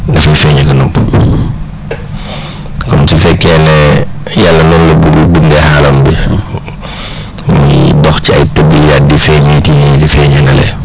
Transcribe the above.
dafay faañ ak a nëbbu kon su fekkee nee yàlla noonu la bindee xalam bi nit ñiy dox ci ay * di feeñee ci nii di feeñee nële